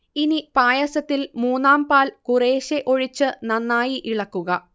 ഇനി പായസത്തിൽ മൂന്നാം പാൽ കുറേശ്ശെ ഒഴിച്ച് നന്നായി ഇളക്കുക